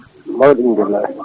mawɗum hamdullahi